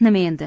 nima endi